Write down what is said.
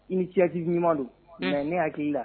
I ni cetigi ɲumanuma don mɛ ne hakili' ii la